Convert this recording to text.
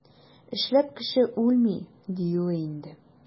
Эшләп кеше үлми, диюе инде.